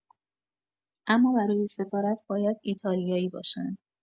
اما برای سفارت باید ایتالیایی باشن.